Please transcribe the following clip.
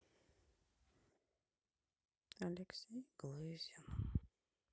алексей глызин